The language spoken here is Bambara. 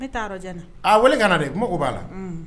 N weele kana mako b'a la